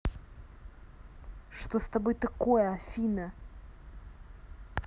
что с тобой такое афина